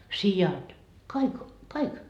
siat kaikki kaikki